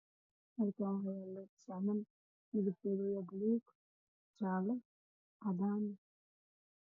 Waxaa ii muuqda gazacayo ay ka buuxaan caana booro